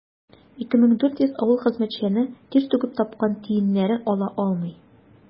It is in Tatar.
2400 авыл хезмәтчәне тир түгеп тапкан тиеннәрен ала алмый.